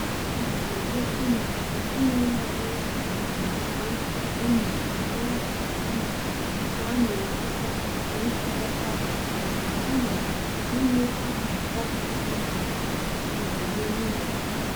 Nchọpụta ndị ahụ na-egosị na ọ bụghị naanị n'atụmatụ ụmụ amaala ka a na-eduga n'ịchịkọta data kama n'imekwa ka ọ pụta ìhè maka obodo niile.